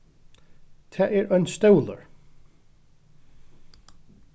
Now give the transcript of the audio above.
tað er ein stólur